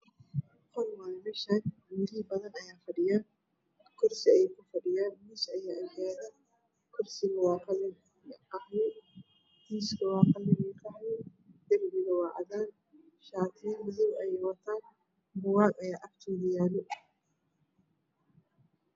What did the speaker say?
Qol waaye meeshaan niman badan ayaa fadhiya kursi ayay kufadhiyaan miis ayaa dhex yaalo. kuraastu waa qalin iyo qaxwi miiska waa qalin iyo qaxwi. Darbiguna waa cadaan shaatiyo madow ah ayay wataan buug ayaa agyaalo.